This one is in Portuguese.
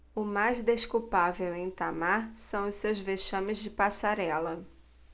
o mais desculpável em itamar são os seus vexames de passarela